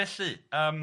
Felly yym